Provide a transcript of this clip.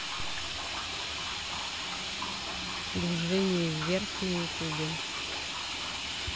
движение вверх на ютубе